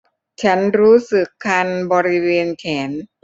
ฉันรู้สึกคันบริเวณแขน